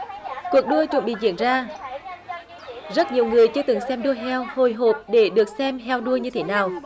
cuộc đua chuẩn bị diễn ra rất nhiều người chưa từng xem đua heo hồi hộp để được xem heo đua như thế nào